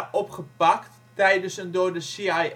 opgepakt tijdens een door de CIA